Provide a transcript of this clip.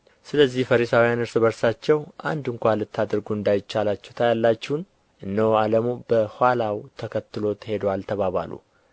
ሰለዚህ ፈሪሳውያን እርስ በርሳቸው አንድ ስንኳ ልታደርጉ እንዳይቻላችሁ ታያላችሁን እነሆ ዓለሙ በኋላው ተከትሎት ሄዶአል ተባባሉ